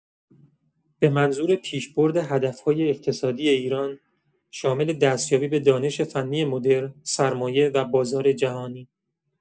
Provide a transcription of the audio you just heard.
به منظور پیشبرد هدف‌های اقتصادی ایران، شامل دستیابی به دانش فنی مدرن، سرمایه و بازار جهانی